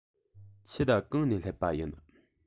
ཁྱེད གང ནས སླེབས པ ཡིན